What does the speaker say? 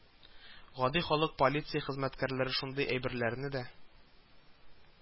Гади халык полиция хезмәткәрләре шундый әйберләрне дә